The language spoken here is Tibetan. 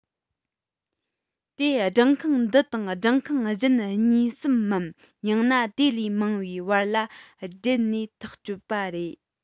དེ སྦྲང ཁང འདི དང སྦྲང ཁང གཞན གཉིས གསུམ མམ ཡང ན དེ ལས མང བའི བར ལ སྦྲེལ ནས ཐག གཅོད པ རེད